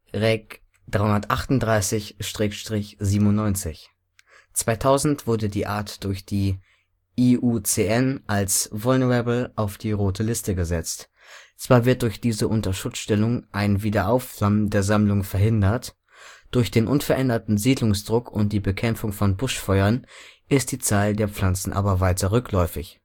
Reg. 338/97, 2000 wurde die Art durch die IUCN als Vulnerable auf die Rote Liste gesetzt. Zwar wird durch diese Unterschutzstellungen ein Wiederaufflammen der Sammlungen verhindert, durch den unveränderten Siedlungsdruck und die Bekämpfung von Buschfeuern ist die Zahl der Pflanzen aber weiter rückläufig